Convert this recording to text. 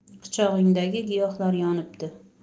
quchog'ingdagi giyohlar yonibdi